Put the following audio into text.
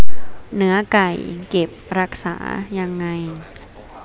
เนื้อไก่เก็บรักษายังไง